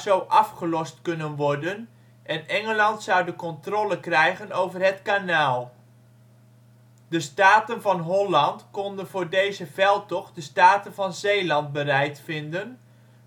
zo afgelost kunnen worden en Engeland zou de controle krijgen over Het Kanaal. De Staten van Holland konden voor deze veldtocht de Staten van Zeeland bereid vinden,